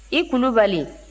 i kulubali